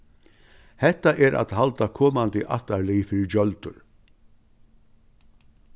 hetta er at halda komandi ættarlið fyri gjøldur